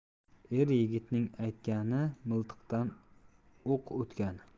er yigitning aytgani miltiqdan o'q otgani